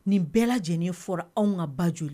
Nin bɛɛ lajɛlen fɔra anw ka ba joli